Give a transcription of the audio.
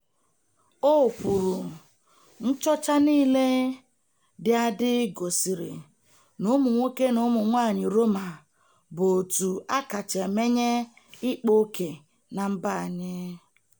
O kwuru: Nchọcha niile dị adị gosiri na ụmụnwoke na ụmụnwaanyị Roma bụ òtù a kacha emenye ịkpa oke na mba anyị.